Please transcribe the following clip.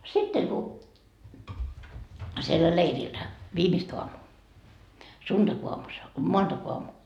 sitten kun siellä leirillä viimeistä aamua sunnuntaiaamu se on maanantaiaamu